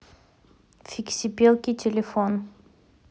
фиксипелки телефон